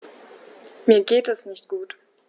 Mir geht es nicht gut.